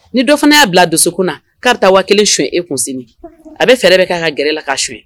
Ni dɔ fana y'a bila dusukun karataata wa kelen son e kunsin a bɛ fɛ bɛ ka ka gɛrɛla ka son